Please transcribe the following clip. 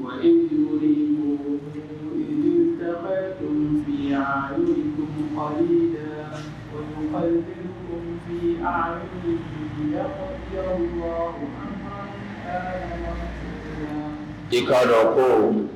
Wa i